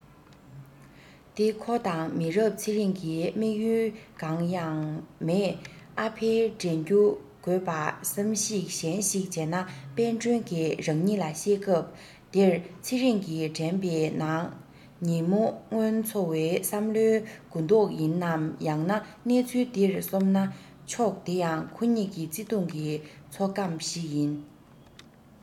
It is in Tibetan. དེ ཁོ དང མི རབས ཚེ རིང གི དམིགས ཡུལ གང ཡང མེད ཨ ཕའི དྲན རྒྱུ དགོས པ བསམ གཞིག གཞན ཞིག བྱས ན དཔལ སྒྲོན གྱི རང ཉིད ལ བཤད སྐབས དེར ཚེ རིང གི དྲན པའི ནང ཉིན མོ སྔོན འཚོ བའི བསམ བློའི གུ དོག ཡིན ནམ ཡང ན གནས ཚུལ དེར སོམ ན ཕྱོགས དེ ཡང ཁོ གཉིས ཀྱི བརྩེ དུང གི ཚོད གམ ཞིག ཡིན